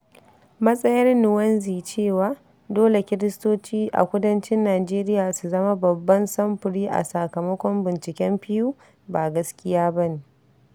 Matsayar Nwanze cewa, dole Kiristoci a Kudancin Nijeriya su zama babban samfuri a sakamakon binciken Pew ba gaskiya ba ne.